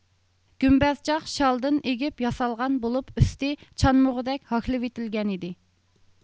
گۈمبەزچاق شالدىن ئېگىپ ياسالغان بولۇپ ئۈستى چانمىغۇدەك ھاكلىۋېتىلگەنىدى